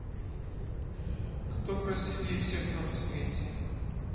кто красивей всех на свете